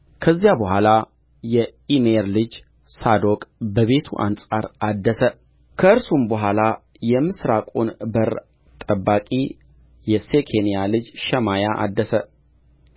ከዚያ በኋላ የኢሜር ልጅ ሳዶቅ በቤቱ አንጻር አደሰ ከእርሱም በኋላ የምሥራቁን በር ጠባቂ የሴኬንያ ልጅ ሸማያ አደሰ